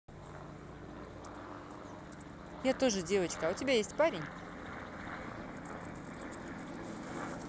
я тоже девочка а у тебя есть парень